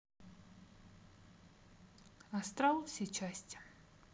астрал все части